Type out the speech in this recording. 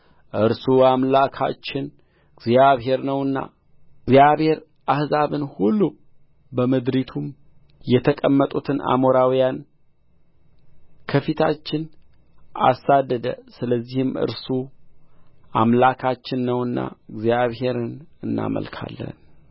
እርሱ አምላካችን እግዚአብሔር ነውና እግዚአብሔር አሕዛብን ሁሉ በምድሪቱም የተቀመጡትን አሞራውያን ከፊታችን አሳደደ ስለዚህ እርሱ አምላካችን ነውና እግዚአብሔርን እናመልካለን